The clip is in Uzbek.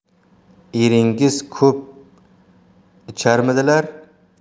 eringiz ko'p icharmidilar